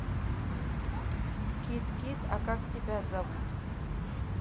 кит кит а как тебя зовут